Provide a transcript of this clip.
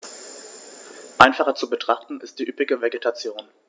Einfacher zu betrachten ist die üppige Vegetation.